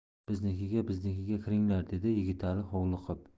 biznikiga biznikiga kiringlar dedi yigitali hovliqib